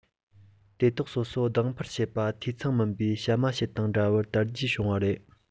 དེ དག སོ སོ ལྡིང འཕུར བྱས པ འཐུས ཚང མིན པའི བྱ མ བྱི དང འདྲ བར དར རྒྱས བྱུང བ རེད